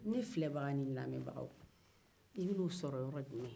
ne filɛbaga ani ne lamɛnbagaw i bɛna o sɔrɔ yɔrɔ jumɛn